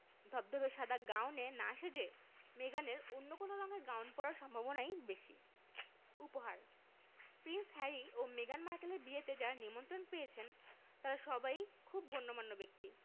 ধবধবে সাদা গাউনে না সেজে মেগানের অন্য কোন রঙের গাউন পরার সম্ভাবনাই বেশি উপহার প্রিন্স হ্যারি ও মেগান মার্কেলের বিয়েতে যাঁরা নিমন্ত্রণ পেয়েছেন তাঁরা সবাই খুব গণ্যমান্য ব্যক্তি